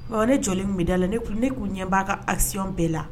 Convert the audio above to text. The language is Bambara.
Bon ne jɔ bɛda la ne tun ne k'u ɲɛ b'a ka assɔny bɛɛ la